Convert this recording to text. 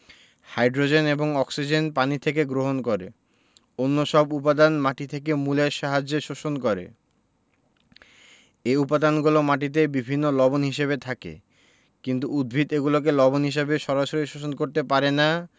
hydrogen এবং oxygen পানি থেকে গ্রহণ করে অন্যসব উপাদান মাটি থেকে মূলের সাহায্যে শোষণ করে এ উপাদানগুলো মাটিতে বিভিন্ন লবণ হিসেবে থাকে কিন্তু উদ্ভিদ এগুলোকে লবণ হিসেবে সরাসরি শোষণ করতে পারে না